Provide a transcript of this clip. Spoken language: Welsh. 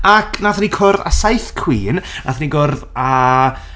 Ac, wnaethon ni cwrdd â saith queen. Wnaethon ni gwrdd â...